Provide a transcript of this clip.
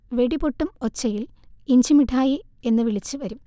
വെടിപൊട്ടും ഒച്ചയിൽ ഇഞ്ചിമിഠായി എന്ന് വിളിച്ച് വരും